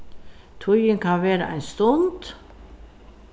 tíðin kann vera ein stund